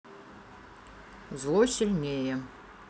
зло сильнее